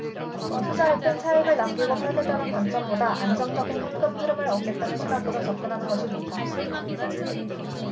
투자할 땐 차익을 남기고 팔겠다는 관점보다 안정적인 현금흐름을 얻겠다는 시각으로 접근하는 것이 좋다